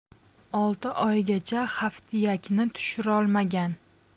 olti oygacha haftiyakni tushirolmagan